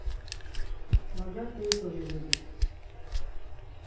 богатые тоже любят